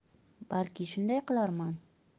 balki shunday qilarman